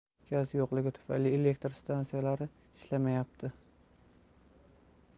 gaz yo'qligi tufayli elektr stansiyalari ishlamayapti